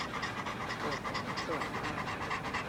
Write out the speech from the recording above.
ปวดหลังส่วนล่าง